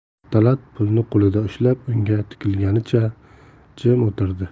talat pulni qo'lida ushlab unga tikilganicha jim o'tirdi